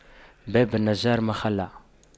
باب النجار مخَلَّع